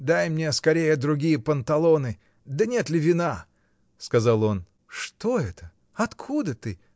— Дай мне скорее другие панталоны, да нет ли вина? — сказал он. — Что это, откуда ты?